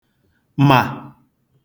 mà